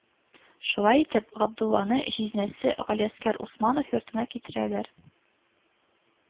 Шулай итеп, Габдулланы җизнәсе Галиәсгар Усманов йортына китерәләр